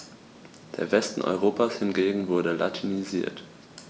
Der Westen Europas hingegen wurde latinisiert.